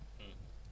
ayib